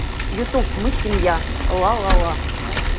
ютуб мы семья ла ла ла